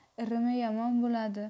irimi yomon bo'ladi